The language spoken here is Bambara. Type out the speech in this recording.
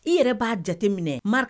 I yɛrɛ b'a jateminɛ maraka